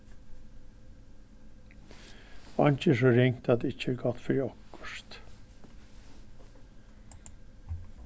einki er so ringt at tað ikki er gott fyri okkurt